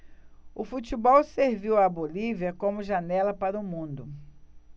o futebol serviu à bolívia como janela para o mundo